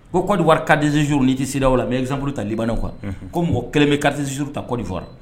Ko kodi wari kadz suru ni ci siraw la a mɛ ezpuru ta libannen kan ko mɔgɔ kɛlen bɛ karite suru ta kɔdi fɔra